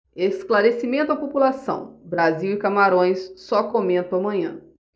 esclarecimento à população brasil e camarões só comento amanhã